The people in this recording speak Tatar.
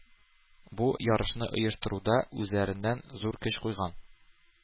Бу ярышны оештыруда үзләреннән зур көч куйган